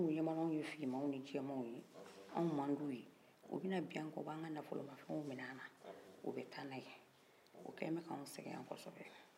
ko min u ɲɛbala anw ye finman ni jɛmanw ye anw mand'u ye u bɛna bin anw kan u b'an ka nafolo mafɛw min'an na u bɛ tana ye u kɛnbɛ k'anw sɛgɛ ya kɔsɔbɛ